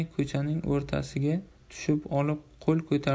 ko'chaning o'rtasiga tushib olib qo'l ko'tardi